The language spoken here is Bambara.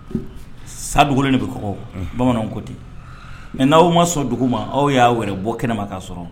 Sa dugu de bɛ kɔ bamananw ko ten mɛ n' awaw ma sɔn dugu ma aw y'a wɛrɛ bɔ kɛnɛma ka sɔrɔ